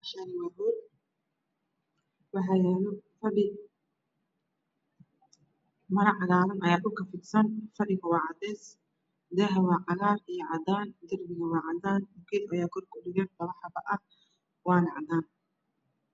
Meeshani waa hool waxaa yaalo fadhi maro cagaaran ayaa ku korfidsan fadhiga waa cadees daaha waacagaar iyo cadaan darbiga waacadaan mukayf ayaa kor ku dhagan labo xabo ah waana cadaan